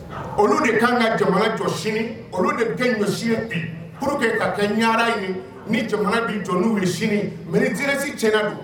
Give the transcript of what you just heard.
Olu de ka kan ka jamana jɔ sini olu de kɛ ɲɔ bi ka ka ɲa ni jamana bin jɔ ye sini mɛ jinɛsi tiɲɛna don